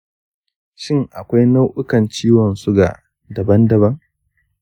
shin akwai nau'ukan ciwon suga daban-daban?